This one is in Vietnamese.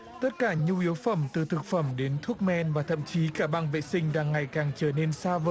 tất cả nhu yếu phẩm từ thực phẩm đến thuốc men và thậm chí cả băng vệ sinh đang ngày càng trở nên xa vời